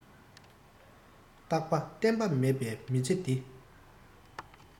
རྟག པ བརྟན པ མེད པའི མི ཚེ འདི